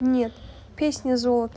песня золото